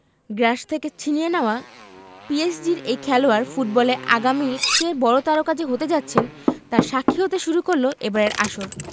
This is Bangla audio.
গ্রাস থেকে ছিনিয়ে নেওয়া পিএসজির এই খেলোয়াড় ফুটবলে আগামীর চেয়ে বড় তারকা যে হতে যাচ্ছেন তার সাক্ষী হতে শুরু করল এবারের আসর